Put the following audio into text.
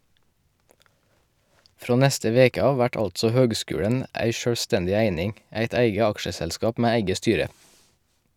Frå neste veke av vert altså høgskulen ei sjølvstendig eining, eit eige aksjeselskap med eige styre.